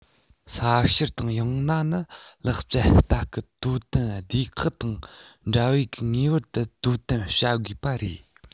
ས བཤེར དང ཡང ན ནི ལག རྩལ ལྟ སྐུལ དོ དམ སྡེ ཁག དང འདྲ བའི གིས ངེས པར དུ དོ དམ བྱ དགོས པ རེད